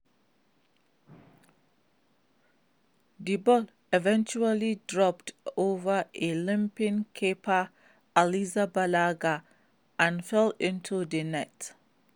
The ball eventually dropped over a leaping Kepa Arrizabalaga and fell into the net.